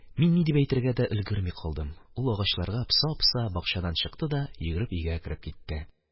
Мин ни дип әйтергә дә өлгерми калдым, ул агачларга поса-поса бакчадан чыкты да йөгереп өйгә кереп китте.